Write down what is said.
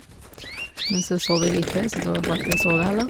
Men så sov jeg lite, så da valgte jeg å sove, heller.